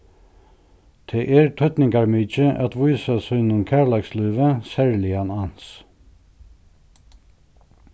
tað er týdningarmikið at vísa sínum kærleikslívi serligan ans